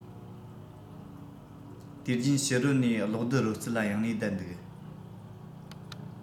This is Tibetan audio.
དུས རྒྱུན ཕྱི རོལ ནས གློག རྡུལ རོལ རྩེད ལ གཡེང ནས བསྡད འདུག